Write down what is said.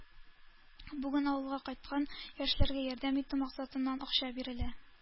Бүген авылга кайткан яшьләргә ярдәм итү максатыннан акча бирелә.